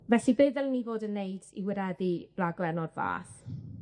Felly, be' ddylen ni fod yn wneud i wireddu raglen o'r fath?